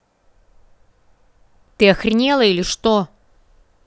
ты охренела или что